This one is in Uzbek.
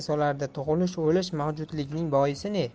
solardi tug'ilish o'lish mavjudlikning boisi ne